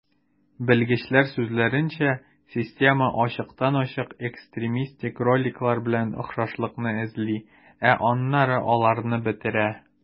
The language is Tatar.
Белгечләр сүзләренчә, система ачыктан-ачык экстремистик роликлар белән охшашлыкны эзли, ә аннары аларны бетерә.